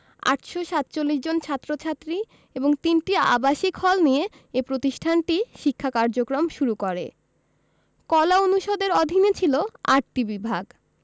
৮৪৭ জন ছাত্র ছাত্রী এবং ৩টি আবাসিক হল নিয়ে এ প্রতিষ্ঠানটি শিক্ষা কার্যক্রম শুরু করে কলা অনুষদের অধীনে ছিল ৮টি বিভাগ